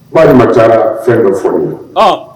Walima ca fɛn dɔ foro ye